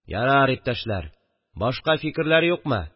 – ярар, иптәшләр, башка фикерләр юкмы